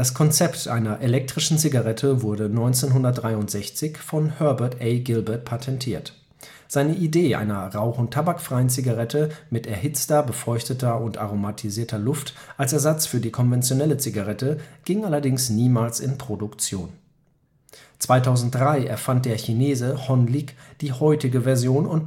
Konzept einer elektrischen Zigarette wurde 1963 von Herbert A. Gilbert patentiert. Seine Idee einer rauch - und tabakfreien Zigarette mit erhitzter, befeuchteter und aromatisierter Luft als Ersatz für die konventionelle Zigarette ging allerdings niemals in Produktion. 2003 erfand der Chinese Hon Lik die heutige Version